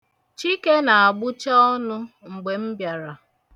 Chike na-agbụcha ọnụ mgbe m bịara.